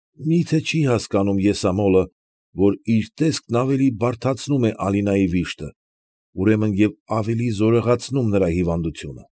Մի՞թե չի հասկանում եսամոլը, որ իր տեսքն ավելի բարդացնում է Ալինայի վիշտը, ուրեմն և ավելի զորեղացնում նրա հիվանդությունր։